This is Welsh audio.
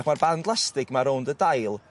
Ac ma'r band lastig 'ma' rownd y dail